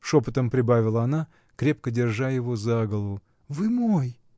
— шепотом прибавила она, крепко держа его за голову, — вы мой?